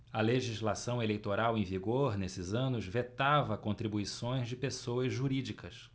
a legislação eleitoral em vigor nesses anos vetava contribuições de pessoas jurídicas